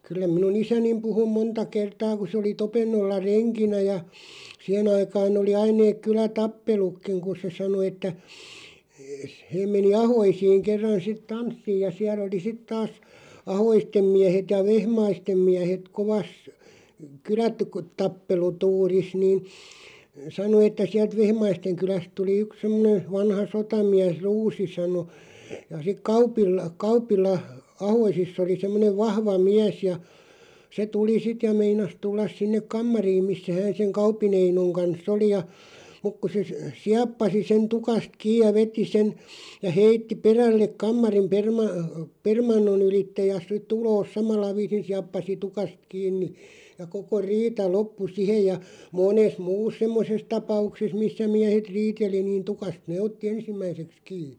kyllä minun isäni puhui monta kertaa kun se oli Topennolla renkinä ja siihen aikaan oli aina ne kylätappelukin kun se sanoi että - he meni Ahoisiin kerran sitten tanssiin ja siellä oli sitten taas Ahoisten miehet ja Vehmaisten miehet kovassa -- kylätappelutuurissa niin sanoi että sieltä Vehmaisten kylästä tuli yksi semmoinen vanha sotamies Ruusi sanoi ja sitten Kaupilla Kaupilla Ahoisissa oli semmoinen vahva mies ja se tuli sitten ja meinasi tulla sinne kamariin missä hän sen Kaupin Einon kanssa oli ja mutta kun se sieppasi sen tukasta kiinni ja veti sen ja heitti perälle kammarin - permannon ylitse ja sitten ulos samalla viisin sieppasi tukasta kiinni ja koko riita loppui siihen ja monessa muussa semmoisessa tapauksessa missä miehet riiteli niin tukasta ne otti ensimmäiseksi kiinni